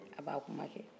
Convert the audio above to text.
a b' a kuma kɛ